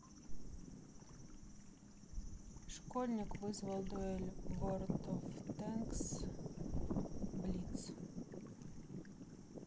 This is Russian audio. школьник вызвал дуэль в world of tanks blitz